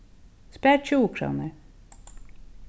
spar tjúgu krónur